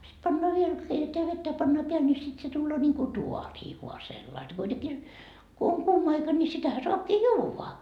sitten pannaan vielä keitetään vettä ja pannaan päälle niin sitten se tulee niin kuin taaria vain sellainen kuitenkin kun on kuuma aika niin sitähän saakin juoda